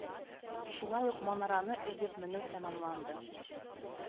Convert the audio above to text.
Шулай ук манараны өеп менү тәмамланды